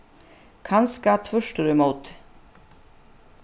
kanska tvørturímóti